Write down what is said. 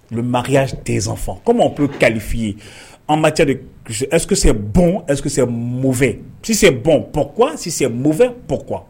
U bɛ maya tɛfan kɔmi tun ye kalifa' ye anba ca de ɛkisɛsɛ bonkisɛsɛ mufɛ sisanse bonɔnɔ sisan mufɛ- pɔ qu